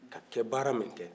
ka kɛ baara min kɛ